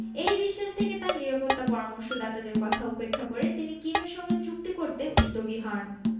এই বিশ্বাস থেকে তাঁর নিরাপত্তা পরামর্শদাতাদের কথা উপেক্ষা করে তিনি কিমের সঙ্গে চুক্তি করতে উদ্যোগী হন